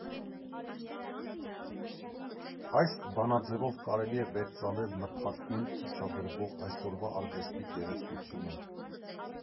Այս բանաձևով կարելի է վերծանել ՆՓԱԿ֊ում ցուցադրվող այսօրվա արվեստի գեղեցկությունը։